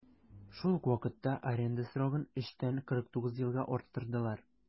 Шул ук вакытта аренда срогын 3 тән 49 елга арттырдылар.